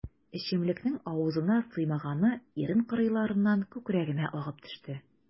Эчемлекнең авызына сыймаганы ирен кырыйларыннан күкрәгенә агып төште.